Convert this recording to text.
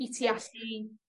i ti allu